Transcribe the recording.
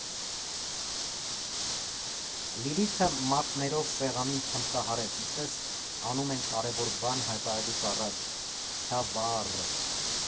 ֊ Լիլիթը մատներով սեղանին թմբկահարեց՝ ինչպես անում են կարևոր բան հայտարարելուց առաջ, ֊ Քյավաաաա՜ռ։